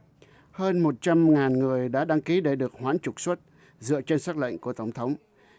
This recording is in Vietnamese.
hơn một trăm ngàn người đã đăng ký để được hoãn trục xuất dựa trên sắc lệnh của tổng thống